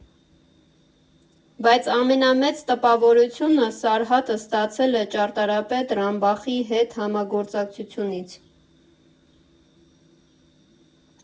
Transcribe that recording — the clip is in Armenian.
Բայց ամենամեծ տպավորությունը Սարհատը ստացել է ճարտարապետ Ռամբախի հետ համագործակցությունից։